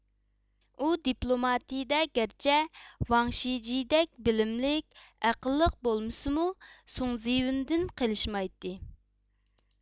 ئۇ دىپلوماتىيىدە گەرچە ۋاڭشىجيېدەك بىلىملىك ئەقىللىق بولمىسىمۇ سۇڭزىۋېندىن قېلىشمايتتى